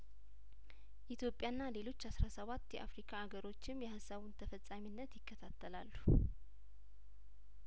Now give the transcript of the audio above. ኢትዮጵያና ሌሎች አስራ ስባት የአፍሪካ አገሮችም የሀሳቡን ተፈጻሚነት ይከታተላሉ